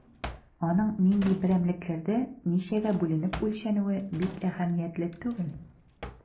Аның нинди берәмлекләрдә, ничәгә бүленеп үлчәнүе бик әһәмиятле түгел.